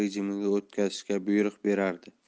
rejimiga o'tkazishga buyruq beradi